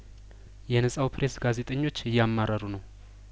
የነጻው ፕሬስ ጋዜጠኞች እያማረሩ ነው